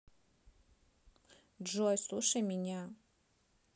джой слушай меня